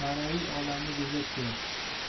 ma'naviy olamni bezash kerak